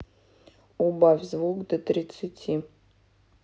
убавь звук до тридцати